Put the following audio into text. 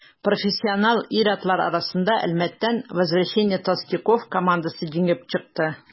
Профессионал ир-атлар арасында Әлмәттән «Возвращение толстяков» командасы җиңеп чыкты.